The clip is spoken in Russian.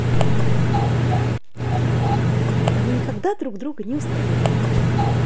да мы никогда друг друга не устаем